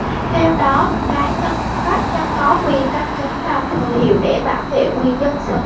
theo đó cá nhân pháp nhân có quyền căn cứ vào thời hiệu để bảo vệ quyền dân sự